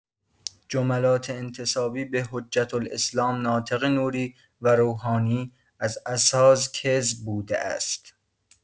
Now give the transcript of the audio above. جملات انتسابی به حجت‌الاسلام ناطق‌نوری و روحانی از اساس کذب بوده است.